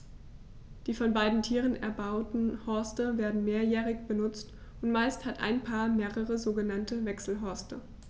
Die von beiden Tieren erbauten Horste werden mehrjährig benutzt, und meist hat ein Paar mehrere sogenannte Wechselhorste.